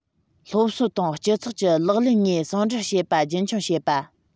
སློབ གསོ དང སྤྱི ཚོགས ཀྱི ལག ལེན དངོས ཟུང འབྲེལ བྱེད པ རྒྱུན འཁྱོངས བྱེད པ